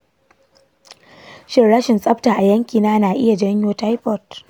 shin rashin tsafta a yankina na iya jawo taifoid?